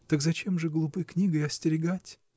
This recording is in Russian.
Так зачем же глупой книгой остерегать?